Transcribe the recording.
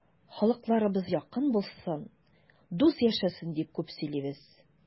Халыкларыбыз якын булсын, дус яшәсен дип күп сөйлибез.